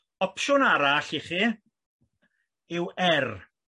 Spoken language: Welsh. Opsiwn arall i chi yw er